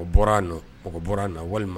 O bɔra nɔ o ka bɔra a na walima